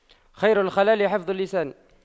خير الخلال حفظ اللسان